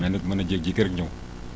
mais nag mën na jéggi kër ñëw